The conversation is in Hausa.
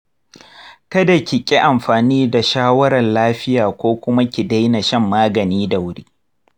kada ki ƙi amfani da shawaran lafiya ko kuma ki daina shan magani da wuri.